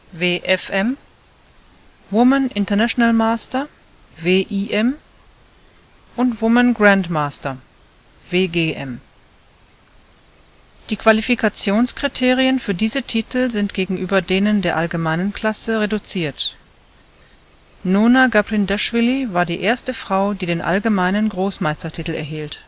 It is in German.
WFM), Woman International Master (WIM) und Woman Grand Master (WGM). Die Qualifikationskriterien für diese Titel sind gegenüber denen der allgemeinen Klasse reduziert. Nona Gaprindaschwili war die erste Frau, die den allgemeinen Großmeistertitel erhielt